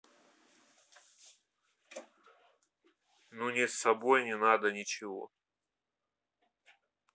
ну не с собой не надо ничего